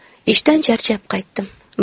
ishdan charchab qaytdim